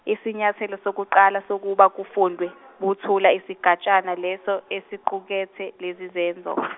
isinyathelo sokuqala sokuba kufundwe, buthula isigatshana leso esiqukethe lezi zenzo .